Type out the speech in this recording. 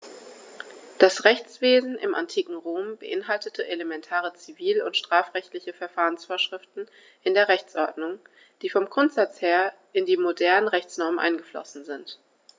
Das Rechtswesen im antiken Rom beinhaltete elementare zivil- und strafrechtliche Verfahrensvorschriften in der Rechtsordnung, die vom Grundsatz her in die modernen Rechtsnormen eingeflossen sind.